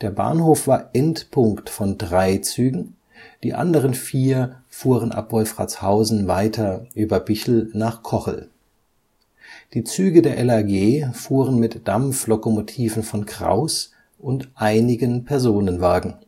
Bahnhof war Endpunkt von drei Zügen, die anderen vier fuhren ab Wolfratshausen weiter über Bichl nach Kochel. Die Züge der LAG fuhren mit Dampflokomotiven von Krauss und einigen Personenwagen